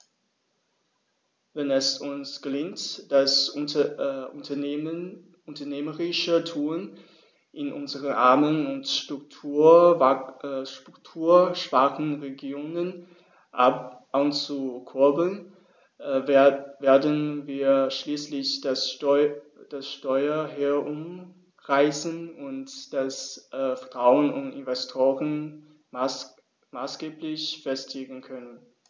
Wenn es uns gelingt, das unternehmerische Tun in unseren armen und strukturschwachen Regionen anzukurbeln, werden wir schließlich das Steuer herumreißen und das Vertrauen von Investoren maßgeblich festigen können.